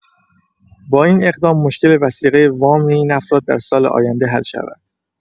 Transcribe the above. با این اقدام مشکل وثیقه وام این افراد در سال آینده حل شود.